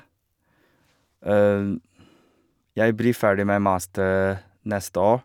Jeg blir ferdig med master neste år.